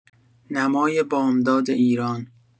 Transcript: نمای بامداد ایران